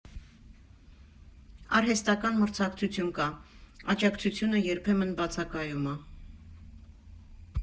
Արհեստական մրցակցություն կա, աջակցությունը երբեմն բացակայում ա։